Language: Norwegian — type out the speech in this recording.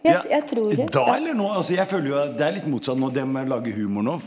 ja da eller nå, altså jeg føler jo at det er litt motsatt nå, det med å lage humor nå.